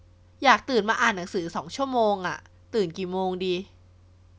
อยากตื่นมาอ่านหนังสือสองชั่วโมงอะตื่นกี่โมงดี